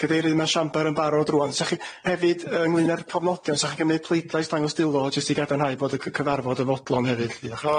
Cadeirydd ma' siamper yn barod rŵan. Sa chi hefyd yy yng nghlyn a'r cofnodion, sa chi'n cymryd pleidlais ddangos dulo jyst i gadarnhau bod y cy- cyfarfod yn fodlon hefyd lly?